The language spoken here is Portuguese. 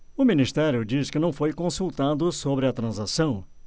o ministério diz que não foi consultado sobre a transação